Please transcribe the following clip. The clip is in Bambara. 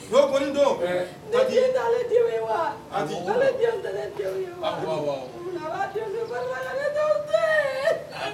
Sukolondonji ye wa